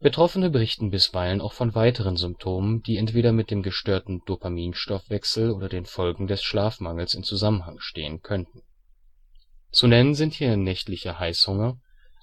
Betroffene berichten bisweilen auch von weiteren Symptomen, die entweder mit dem gestörten Dopaminstoffwechsel oder den Folgen des Schlafmangels in Zusammenhang stehen könnten. Zu nennen sind hier nächtlicher Heißhunger,